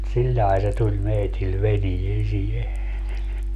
sillä lailla se tuli meille veneeseen